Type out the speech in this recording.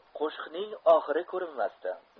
qo'shiqning oxiri ko'rinmasdi